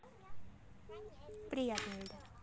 приятный ильдар